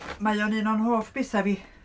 Mae o'n un o'n hoff bethau fi.